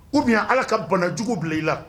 Ou bien Ala ka banajugu bila i la